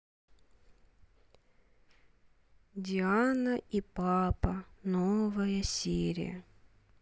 диана и папа новая серия